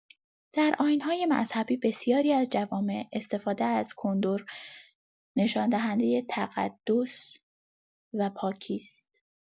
در آیین‌های مذهبی بسیاری از جوامع، استفاده از کندر نشان‌دهندۀ تقدس و پاکی است.